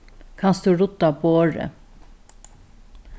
kanst tú rudda borðið